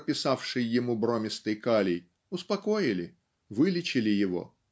прописавший ему бромистый калий успокоили вылечили его